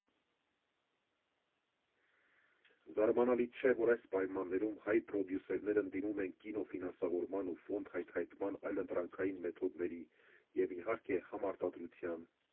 Զարմանալի չէ, որ այս պայմաններում հայ պրոդյուսերները դիմում են կինոֆինանսավորման ու ֆոնդհայթայթման այլընտրանքային մեթոդների և, իհարկե, համարտադրության։